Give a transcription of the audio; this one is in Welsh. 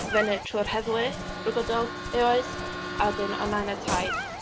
fyny trwy'r heddlu drwy gydol ei oes, a wedyn oedd nain a taid.